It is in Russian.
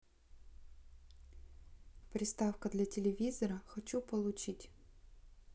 приставка для телевизора хочу получить